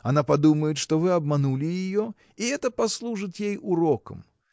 она подумает, что вы обманули ее, и это послужит ей уроком.